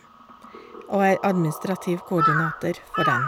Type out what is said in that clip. Og er administrativ koordinator for den.